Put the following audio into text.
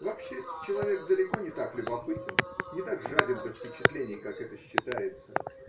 Вообще человек далеко не так любопытнее, не так жаден до впечатлений, как это считается.